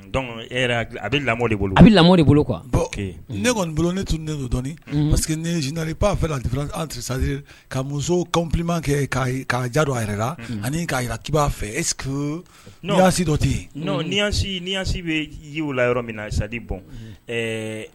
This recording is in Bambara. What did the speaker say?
A bɛ lamɔ de bolo a bɛ lamɔ de bolo kuwa ne kɔni doni tun ne don dɔɔnini parceseke ni zinali b'a fɛsi ka muso kanman kɛ k'a ja don a yɛrɛ la ani k'aki' fɛ e n'o yasi dɔ tɛ yenaasi bɛ ye wula yɔrɔ min na i sadi bɔn